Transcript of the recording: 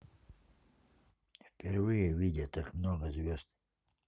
впервые видя так много звезд